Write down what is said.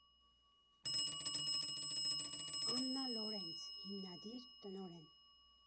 Աննա Լորենց հիմնադիր, տնօրեն։